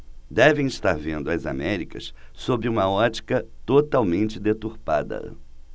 devem estar vendo as américas sob uma ótica totalmente deturpada